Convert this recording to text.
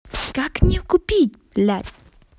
как мне купить блядь